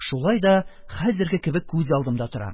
Шулай да хәзерге кебек күз алдымда тора: